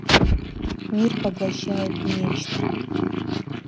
мир поглощает нечто